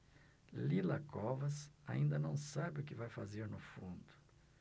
lila covas ainda não sabe o que vai fazer no fundo